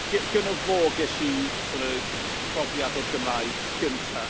gy- gynno fo ges i, sort of, profiad o'r Gymraeg gynta.